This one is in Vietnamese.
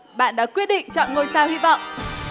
bạn đã quyết định chọn ngôi sao hy vọng